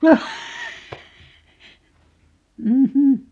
mm